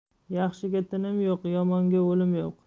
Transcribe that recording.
yaxshiga tinim yo'q yomonga o'lim yo'q